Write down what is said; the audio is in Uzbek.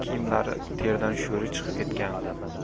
kiyimlari terdan sho'ri chiqib ketgandi